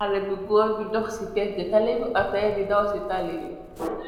Xalé bu goor di dox ci pégg tali bi, ooto yi di daw ci tali bi.